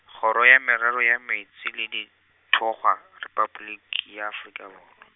kgoro ya Merero ya Meetse le Dithokgwa , Repabliki ya Afrika Borwa.